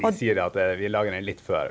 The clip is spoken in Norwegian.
vi sier det at vi lager den litt før.